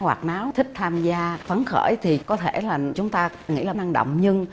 hoạt náo thích tham gia phấn khởi thì có thể là chúng ta nghĩ là nó năng động nhưng